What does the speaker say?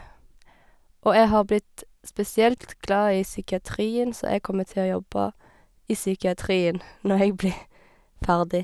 Og jeg har blitt spesielt glad i psykiatrien, så jeg kommer til å jobbe i psykiatrien når jeg blir ferdig.